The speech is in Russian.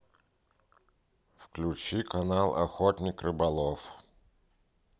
включи канал охотник рыболов